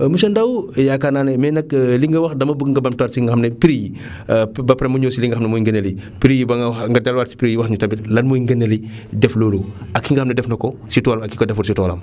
monsieur Ndao yaakaar na ne mais nag li nga wax dama bëgg nga bamtuwaat si nga xam ne prix yi ba pare ma ñëw si li nga xam ne mooy ngëneel yi prix yi ba nga wax nga delluwaat si prix yi wax ñu tamit lan mooy ngëneel yi def loolu ak ki nga xam ne def na ko si tool ak ki ko deful si toolam